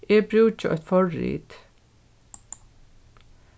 eg brúki eitt forrit